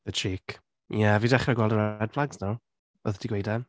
The cheek. Ie, fi’n dechrau gweld y red flags nawr, wrth i ti gweud e.